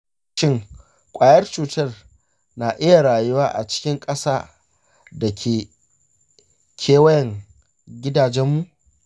shin kwayar cutar na iya rayuwa a cikin ƙasa da ke kewayen gidajenmu?